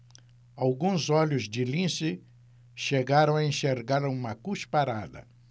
alguns olhos de lince chegaram a enxergar uma cusparada